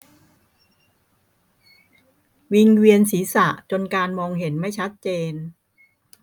วิงเวียนศีรษะจนการมองเห็นไม่ชัดเจน